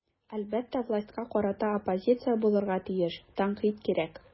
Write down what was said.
Әлбәттә, властька карата оппозиция булырга тиеш, тәнкыйть кирәк.